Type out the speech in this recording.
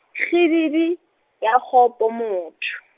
kgididi, ya kgopo motho.